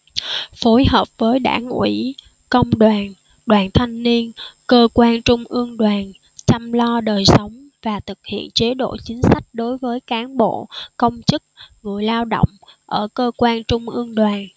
phối hợp với đảng ủy công đoàn đoàn thanh niên cơ quan trung ương đoàn chăm lo đời sống và thực hiện chế độ chính sách đối với cán bộ công chức người lao động ở cơ quan trung ương đoàn